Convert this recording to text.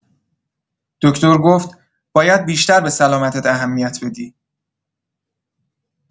دکتر گفت باید بیشتر به سلامتت اهمیت بدی.